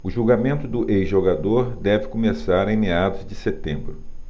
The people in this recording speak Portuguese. o julgamento do ex-jogador deve começar em meados de setembro